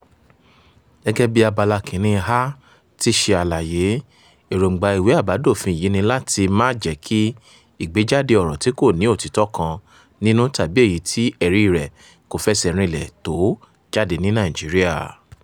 Gẹ́gẹ́ bí Abala 1A ti ṣe ṣàlàyé, èròńgbà ìwé àbádòfin yìí ni láti "[máà jẹ́] kí ìgbéjáde ọ̀rọ̀ tí kò ní òtítọ́ kan nínú tàbí èyí tí ẹ̀ríi rẹ̀ kò f'ẹsẹ̀ rinlẹ̀ tó ó jáde ní Nàìjíríà".